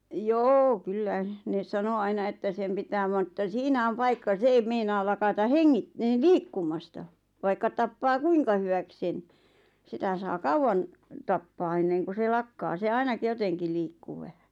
joo kyllä ne sanoi aina että sen pitää vaan että siinä on paikka se ei meinaa lakata - liikkumasta vaikka tappaa kuinka hyväksi sen sitä saa kauan tappaa ennen kuin se lakkaa se ainakin jotenkin liikkuu vähän